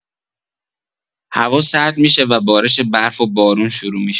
هوا سرد می‌شه و بارش برف و بارون شروع می‌شه.